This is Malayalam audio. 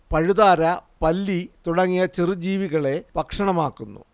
പഴുതാര പല്ലി തുടങ്ങിയ ചെറു ജീവികളെ ഭക്ഷണമാക്കുന്നു